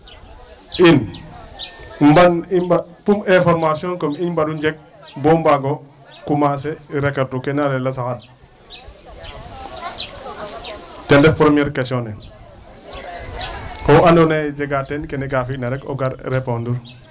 in mban i mba kum information kum i mbaru njeg bo mbaag o commencé rekoltu ke na layel a saxad ta ref 1er question ne oxu andoona yee jega teen kene ka fi'na rek o gar répondre?